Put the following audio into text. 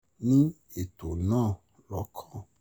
Ní ètò náà lọ́kàn.”